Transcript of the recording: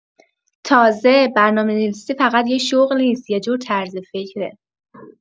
تازه، برنامه‌نویسی فقط یه شغل نیست؛ یه جور طرز فکره.